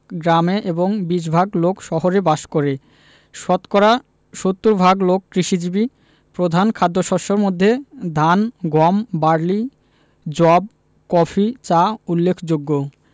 গ্রামে এবং ২০ ভাগ লোক শহরে বাস করেশতকরা ৭০ ভাগ লোক কৃষিজীবী প্রধান খাদ্যশস্যের মধ্যে ধান গম বার্লি যব কফি চা উল্লেখযোগ্য